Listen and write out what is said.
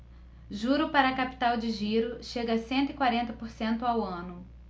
juro para capital de giro chega a cento e quarenta por cento ao ano